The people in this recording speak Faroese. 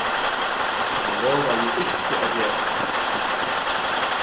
hann lovaði ikki at gera tað